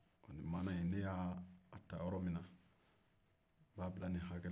ni maana in ne y'a ta yɔrɔ min na ne b'a bila nin hakɛ